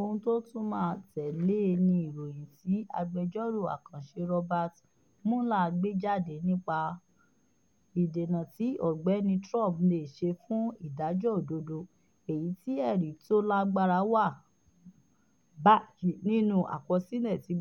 Ohun tó tún máa tẹ̀ lé e ni ìròyìn tí agbẹjọ́rò àkànṣe Robert Mueller gbé jáde nípa Ọ̀gbẹ́ni Ìdènà tí Trump lè ṣe fún ìdájọ́ òdodo, èyí tí ẹ̀rí tó lágbára wà ní báyìí nínú àkọsílẹ̀ tí